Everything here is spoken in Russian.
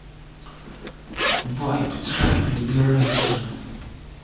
vibe tribe liberation